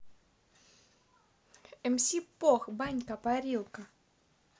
mc пох банька парилка